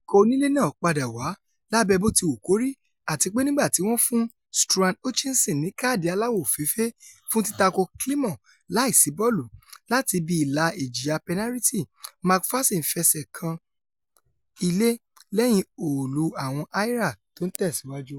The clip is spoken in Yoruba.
Ikọ̀ onílé náà padà wá, lábẹ̀ botiwukori, àtipé nígbà tí wọ́n fún Struan Hutchinson ni káàdì aláwọ̀ òfééèfé fún títako Climo láìsí bọ́ọ̀lù, láti ibi ìlà ìjìyà pẹnariti, MacPherson fẹṣẹ̀ kan ilẹ̀ lẹ́yìn òòlù àwọn Ayr tó ńtẹ̀síwájú.